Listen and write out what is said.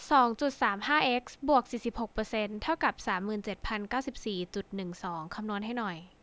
สองจุดสามห้าเอ็กซ์บวกสี่สิบหกเปอร์เซนต์เท่ากับสามหมื่นเจ็ดพันเก้าสิบสี่จุดหนึ่งสองคำนวณให้หน่อย